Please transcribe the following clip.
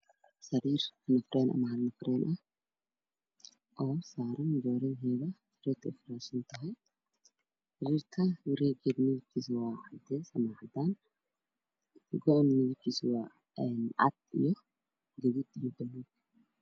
Sariir oo saaran joodari sariir ta wareegeda waa cadaan